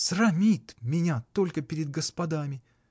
Срамит меня только перед господами!.